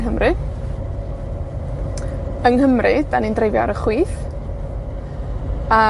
Nghymru. Yng Nghymru, 'dan ni'n dreifio ar y chwith, a